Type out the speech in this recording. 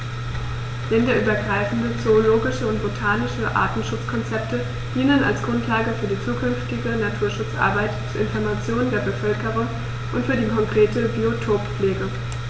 Länderübergreifende zoologische und botanische Artenschutzkonzepte dienen als Grundlage für die zukünftige Naturschutzarbeit, zur Information der Bevölkerung und für die konkrete Biotoppflege.